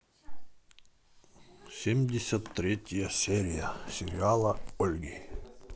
семьдесят третья серия сериала ольги